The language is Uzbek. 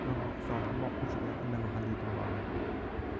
u yong'oqzor bog' ko'chaga allamahalda yetib bordi